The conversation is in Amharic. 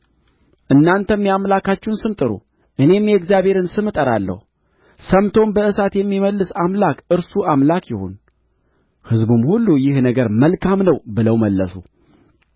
እናንተም የአምላካችሁን ስም ጥሩ እኔም የእግዚአብሔርን ስም እጠራለሁ ሰምቶም በእሳት የሚመልስ አምላክ እርሱ አምላክ ይሁን ሕዝቡም ሁሉ ይህ ነገር መልካም ነው ብለው መለሱ